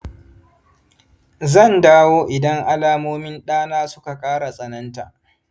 zan dawo idan alamomin ɗana suka ƙara tsananta.